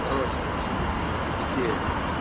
Бросим эту скучную канитель